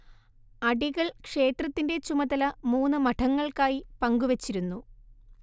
അടികൾ ക്ഷേത്രത്തിൻറെ ചുമതല മൂന്ന് മഠങ്ങൾക്കായി പങ്കുവച്ചിരുന്നു